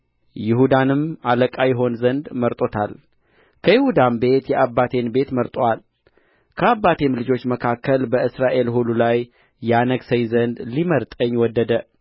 ይሁዳም አለቃ ይሆን ዘንድ መርጦታል ከይሁዳም ቤት የአባቴን ቤት መርጦአል ከአባቴም ልጆች መካከል በእስራኤል ሁሉ ላይ ያነግሠኝ ዘንድ ሊመርጠኝ ወደደ